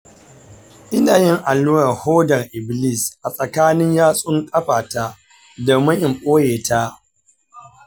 ina yin allurar hodar iblis a tsakanin yatsun ƙafata domin in ɓoye ta.